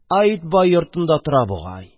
Аит бай йортында тора бугай...